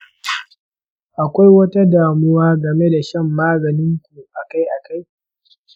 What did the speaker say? akwai wata damuwa game da shan maganin ku akai-akai?